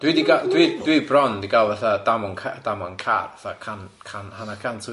Dwi 'di ga- dwi dwi bron 'di ga'l fatho damwain ca- damwain car fatha can- can- hanner cant o weithia.